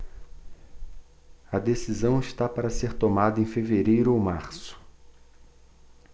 a decisão está para ser tomada em fevereiro ou março